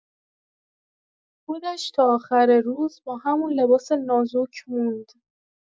خودش تا آخر روز با همون لباس نازک موند.